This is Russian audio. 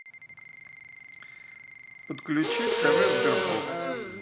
подключить тв sberbox